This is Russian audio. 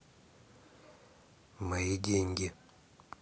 мои деньги